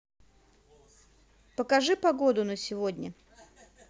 покажи погоду на сегодня